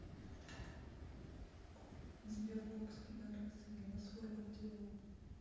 sberbox пидарасы я вас в рот делал